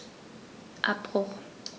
Abbruch.